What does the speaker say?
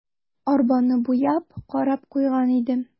Арбаны буяп, карап куйган идем.